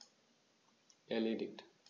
Erledigt.